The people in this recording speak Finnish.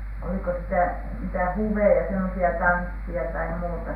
oliko sitä mitä huveja semmoisia tansseja tai muuta